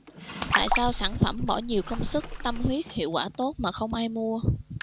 tại sao sản phẩm bỏ nhiều công sức tâm huyết hiệu quả tốt mà không ai mua